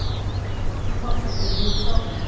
shu maqsadda behisob